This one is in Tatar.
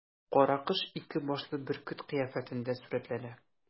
Каракош ике башлы бөркет кыяфәтендә сурәтләнә.